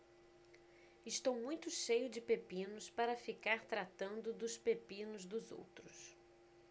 estou muito cheio de pepinos para ficar tratando dos pepinos dos outros